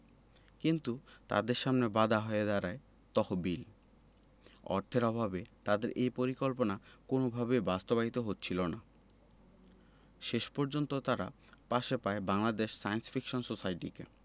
কিন্তু তাদের সামনে বাধা হয়ে দাঁড়ায় তহবিল অর্থের অভাবে তাদের সেই পরিকল্পনা কোনওভাবেই বাস্তবায়িত হচ্ছিল না শেষ পর্যন্ত তারা পাশে পায় বাংলাদেশ সায়েন্স ফিকশন সোসাইটিকে